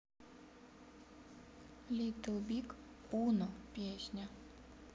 литл биг уно песня